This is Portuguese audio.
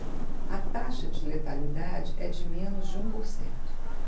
a taxa de letalidade é de menos de um por cento